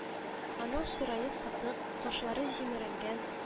Аның чырае сытык, кашлары җимерелгән